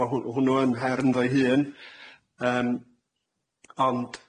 Ma' hw- hwnnw yn her ynddo'i hun yym ond